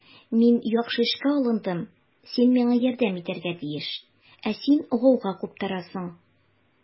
Мин яхшы эшкә алындым, син миңа ярдәм итәргә тиеш, ә син гауга куптарасың.